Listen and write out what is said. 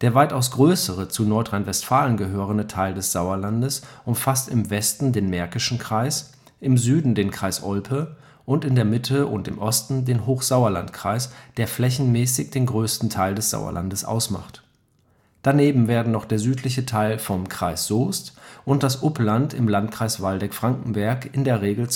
weitaus größere, zu Nordrhein-Westfalen gehörende Teil des Sauerlandes umfasst im Westen den Märkischen Kreis, im Süden den Kreis Olpe und in der Mitte und im Osten den Hochsauerlandkreis, der flächenmäßig den größten Teil des Sauerlands ausmacht. Daneben werden noch der südliche Teil vom Kreis Soest und das Upland im Landkreis Waldeck-Frankenberg in der Regel